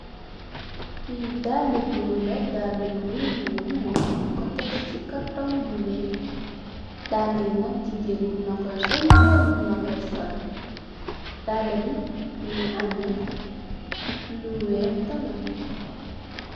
Li dalli gór la, dalli gór yu ñuul ñing ko tèk ci karton bu wèèx. Dàlli li nak jigeen mum ka koy sol gór mun ka koy sol. Dalli bi mugii ameh lu wèèx tallun.